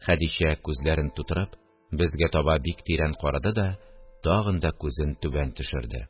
Хәдичә күзләрен тутырып безгә таба бик тирән карады да тагын да күзен түбән төшерде